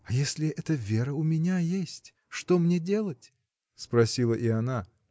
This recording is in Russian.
— А если эта вера у меня есть — что мне делать? — спросила и она.